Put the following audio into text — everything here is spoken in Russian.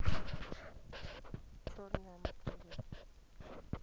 черная материя